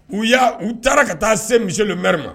U y'a u taara ka taa se misiwmeri ma